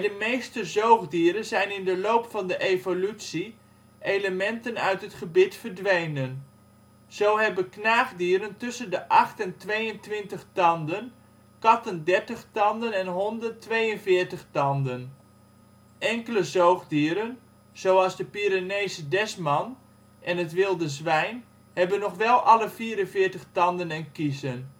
meeste zoogdieren zijn in de loop van de evolutie elementen uit het gebit verdwenen. Zo hebben knaagdieren tussen de 8 en 22 tanden, katten 30 tanden en honden 42 tanden. Enkele zoogdieren, zoals de Pyrenese desman en het wilde zwijn hebben nog wel alle 44 tanden en kiezen